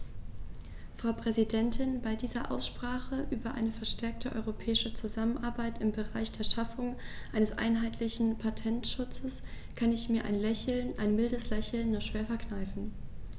Frau Präsidentin, bei dieser Aussprache über eine verstärkte europäische Zusammenarbeit im Bereich der Schaffung eines einheitlichen Patentschutzes kann ich mir ein Lächeln - ein mildes Lächeln - nur schwer verkneifen.